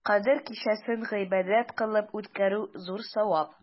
Кадер кичәсен гыйбадәт кылып үткәрү зур савап.